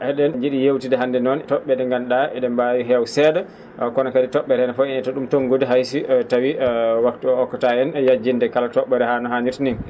e?en nji?i yeewtidde hannde noon to??e ?e nganndu?aa e?e mbaawi heew see?a kono kadi to??ere ne faye to ?um to?ngude hay si tawii waktu o hokkataa en e yajjinde kala to??ere haa no haanirta nii